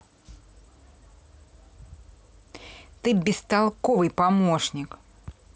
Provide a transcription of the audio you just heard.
ты бестолковый помощник